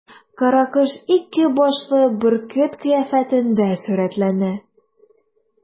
Каракош ике башлы бөркет кыяфәтендә сурәтләнә.